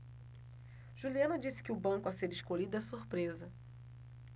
juliana disse que o banco a ser escolhido é surpresa